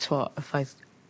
t'mo' y ffaith